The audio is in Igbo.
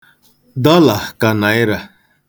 Dọla ka Naịra.